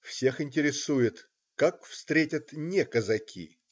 Всех интересует: как встретят не казаки?